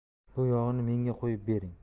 bu yog'ini menga qo'yib bering